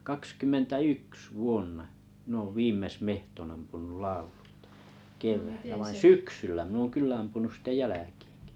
kaksikymmentä yksi vuonna minä olen viimeksi metson ampunut laululta keväällä vaan syksyllä minä olen kyllä ampunut sitten jälkiinkin